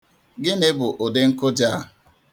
Gịnị bụ ụdị nkụja a?